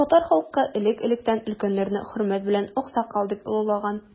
Татар халкы элек-электән өлкәннәрне хөрмәт белән аксакал дип олылаган.